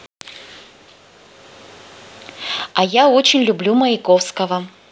а я очень люблю маяковского